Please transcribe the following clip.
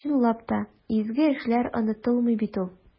Чынлап та, изге эшләр онытылмый бит ул.